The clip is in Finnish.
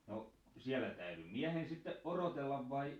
no siellä täytyi miehen sitten odotella vai